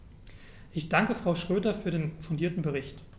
Ich danke Frau Schroedter für den fundierten Bericht.